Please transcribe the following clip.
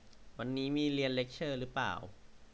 วันนี้มีเรียนเลคเชอร์รึป่าว